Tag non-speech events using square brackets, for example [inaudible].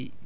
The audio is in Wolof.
[hesitation] [hesitation]